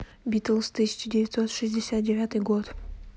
битлз тысяча девятьсот шестьдесят девятый год